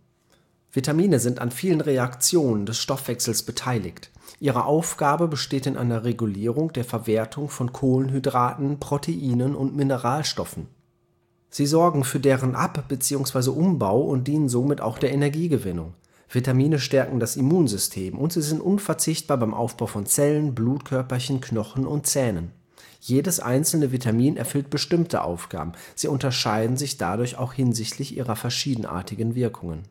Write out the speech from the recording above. Vitamine sind an vielen Reaktionen des Stoffwechsels beteiligt. Ihre Aufgabe besteht in einer Regulierung der Verwertung von Kohlenhydraten, Proteinen (umgangssprachlich auch als Eiweiß bezeichnet) und Mineralstoffen, sie sorgen für deren Ab - beziehungsweise Umbau und dienen somit auch der Energiegewinnung. Vitamine stärken das Immunsystem und sind unverzichtbar beim Aufbau von Zellen, Blutkörperchen, Knochen und Zähnen. Jedes einzelne Vitamin erfüllt bestimmte Aufgaben. Sie unterscheiden sich dadurch auch hinsichtlich ihrer verschiedenartigen Wirkungen